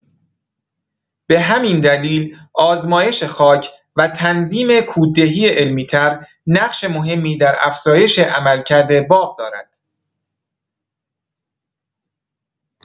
به همین دلیل آزمایش خاک و تنظیم کوددهی علمی‌تر، نقش مهمی در افزایش عملکرد باغ دارد.